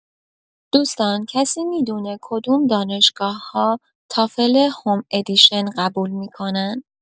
دوستان کسی می‌دونه کدوم دانشگاه‌‌ها تافل هوم ادیشن قبول می‌کنن؟